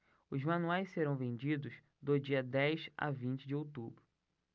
os manuais serão vendidos do dia dez a vinte de outubro